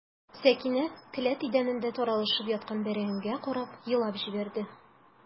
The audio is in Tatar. Сәкинә келәт идәнендә таралышып яткан бәрәңгегә карап елап җибәрде.